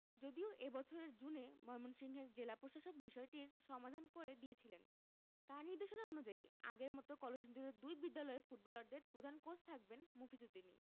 যদিও এ বছরের জুনে ময়মনসিংহের জেলা প্রশাসক বিষয়টির সমাধান করে দিয়েছিলেন তাঁর নির্দেশনা অনুযায়ী আগের মতো কলসিন্দুরের দুই বিদ্যালয়ের ফুটবলারদের প্রধান কোচ থাকবেন মফিজ উদ্দিনই